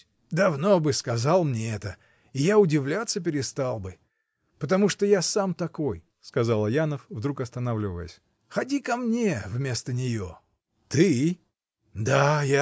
— Давно бы сказал мне это, и я удивляться перестал бы, потому что я сам такой, — сказал Аянов, вдруг останавливаясь. — Ходи ко мне вместо нее. — Ты? — Да — я!